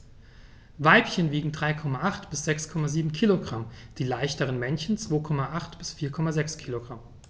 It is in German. Weibchen wiegen 3,8 bis 6,7 kg, die leichteren Männchen 2,8 bis 4,6 kg.